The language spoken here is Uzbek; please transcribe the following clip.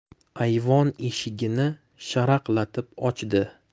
ayvon eshigini sharaqlatib ochdi